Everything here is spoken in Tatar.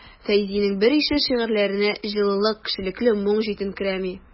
Фәйзинең берише шигырьләренә җылылык, кешелекле моң җитенкерәми.